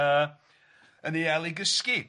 yy yn ei hel i gysgu.